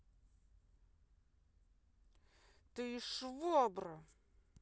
ты швабра